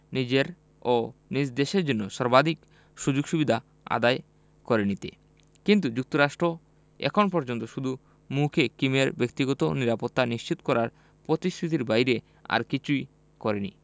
নিজের ও নিজ দেশের জন্য সর্বাধিক সুযোগ সুবিধা আদায় করে নিতে কিন্তু যুক্তরাষ্ট্র এখন পর্যন্ত শুধু মুখে কিমের ব্যক্তিগত নিরাপত্তা নিশ্চিত করার প্রতিশ্রুতির বাইরে আর কিছুই করেনি